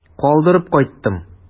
Калдырып кайттым.